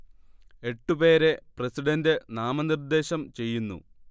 എട്ട് പേരെ പ്രസിഡന്റ് നാമനിർദ്ദേശം ചെയ്യുന്നു